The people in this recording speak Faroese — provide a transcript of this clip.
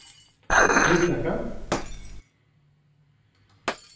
luttaka